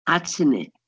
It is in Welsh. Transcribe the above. At hynny.